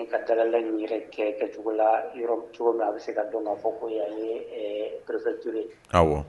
Ka dala la in yɛrɛ kɛ kɛcogo la, yɔrɔ cogo min a bɛ se ka dɔn ka fɔ ko yan ye ɛ préfecture ye, awɔ.